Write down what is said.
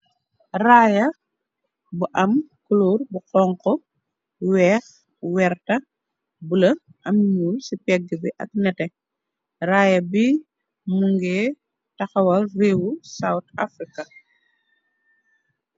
Rayeh bu am kulor bu xonxu, wèèx, werta, bula am ñuul si pegga bi ak netteh. Rayeh bi mugeh taxaw wal reewu South Africa.